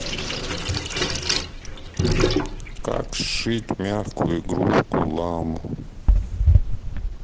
как сшить мягкую игрушку ламу